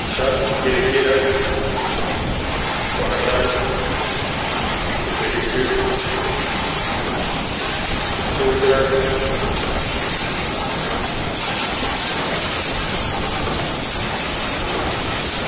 Halkaan waxaa ka muuqdo shaati madaw iyo qaxwi iskugu jiro